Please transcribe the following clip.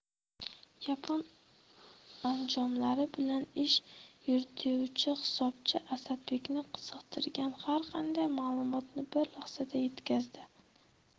yapon anjomlari bilan ish yurituvchi hisobchi asadbekni qiziqtirgan har qanday ma'lumotni bir lahzada yetkazadi